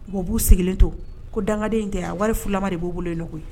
Bon b'u sigilen to ko dangaden tɛ wari filama de b'u bolo yen nɔgɔ koyi